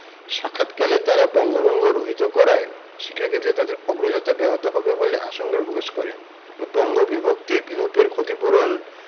সাক্ষাৎকালে তাঁরা বঙ্গভঙ্গ রহিত করায় শিক্ষাক্ষেত্রে তাদের অগ্রযাত্রা ব্যাহত হবে বলে আশঙ্কা পকাশ করেন বঙ্গবিভক্তি বিলোপের ক্ষতিপূরণ